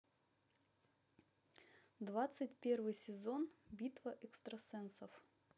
двадцать первый сезон битва экстрасенсов